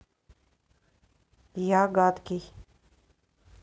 я гадкий